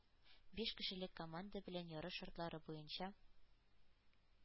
Биш кешелек команда белән ярыш шартлары буенча,